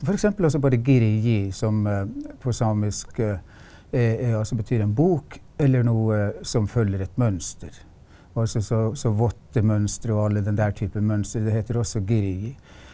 f.eks. altså bare som på samisk altså betyr en bok eller noe som følger et mønster altså så så vottemønster og alle den der type mønster det heter også .